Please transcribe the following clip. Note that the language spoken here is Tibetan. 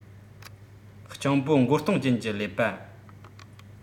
སྤྱང པོ མགོ སྟོང ཅན གྱི ཀླད པ